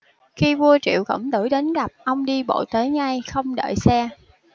khi vua triệu khổng tử đến gặp ông đi bộ tới ngay không đợi xe